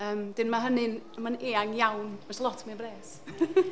yym wedyn ma' hynny'n... ma'n eang iawn. Fasai lot mwy o bres .